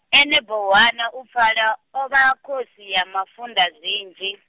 ene Bohwana u pfala, o vha khosi ya mafunda zwinzhi .